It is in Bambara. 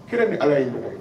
Kira ni ala ye